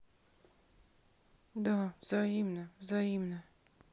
да взаимно взаимно